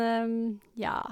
Ja.